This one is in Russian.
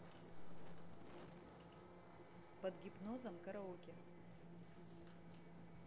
под гипнозом караоке